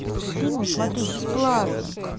фильмы смотреть бесплатно